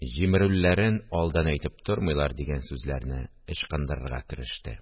Җимерелүләрен алдан әйтеп тормыйлар, – дигән сүзләрне ычкындырырга кереште